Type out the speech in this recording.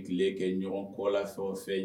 Tile kɛ ɲɔgɔn kɔ la fɛn o fɛn ye